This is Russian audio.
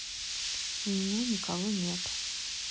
у меня никого нету